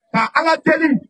A ala terieli